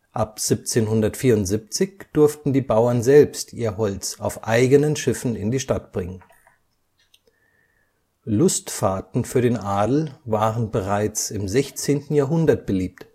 Ab 1774 durften die Bauern selbst ihr Holz auf eigenen Schiffen in die Stadt bringen. Lustfahrten für den Adel waren bereits im 16. Jahrhundert beliebt